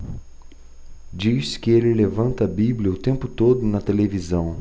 diz que ele levanta a bíblia o tempo todo na televisão